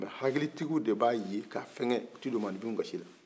hakilitigi de b'a ye ka fɛnkɛ o tɛ don mɔgɔnifin gasi la